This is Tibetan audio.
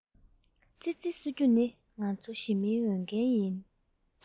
ཙི ཙི གསོད རྒྱུ ནི ང ཚོ ཞི མིའི འོས འགན ཡིན